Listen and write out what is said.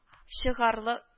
Чыгарлы